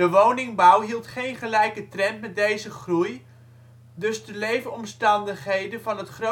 woningbouw hield geen gelijke trend met deze groei, dus de leefomstandigheden van het